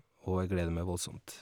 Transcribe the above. Og jeg gleder meg voldsomt.